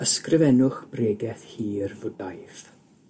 Ysgrifennwch bregeth hir Fwdhaidd.